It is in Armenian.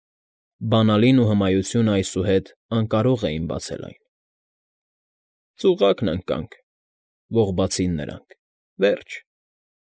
Բանալին ու հմայությունն այսուհետ անկարող էին բացել այն. ֊ Ծուղակն ընկանք,֊ ողբացին նրանք։֊ Վերջ։